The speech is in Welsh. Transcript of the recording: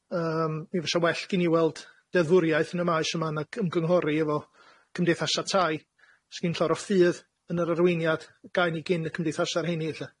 Yym mi fysa well gin i weld deddfwriaeth yn y maes yma nag ymgynghori efo cymdeithasa' tai. S'gin i'm llawer o ffydd yn yr arweiniad gae' ni gin y cymdeithasa' rheini lly.